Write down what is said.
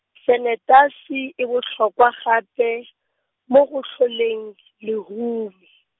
sanetasi e botlhokwa gape, mo go tlholeng, lehumo.